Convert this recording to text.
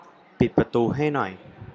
ปิดประตูให้หน่อย